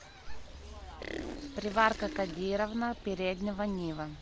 приварка кадировна переднего нива